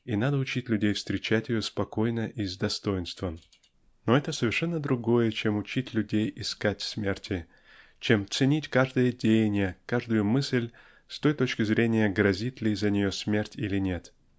и надо учить людей встречать ее спокойно и с достоинством. Но это совершенно другое чем учить людей искать смерти чем ценить каждое деяние каждую мысль с той точки зрения грозит ли за нее смерть или нет.